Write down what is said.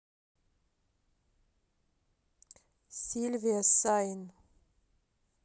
сильвия сайн